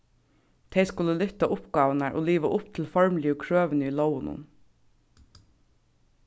tey skulu lyfta uppgávurnar og liva upp til formligu krøvini í lógunum